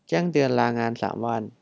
แจ้งเตือนลางานสามวัน